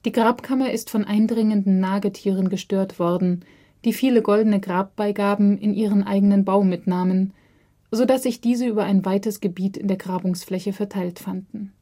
Grabkammer ist von eindringenden Nagetieren gestört worden, die viele goldene Grabbeigaben in ihren eigenen Bau mitnahmen, so dass sich diese über ein weites Gebiet in der Grabungsfläche verteilt fanden